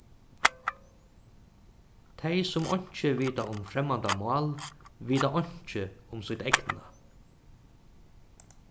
tey sum einki vita um fremmandamál vita einki um sítt egna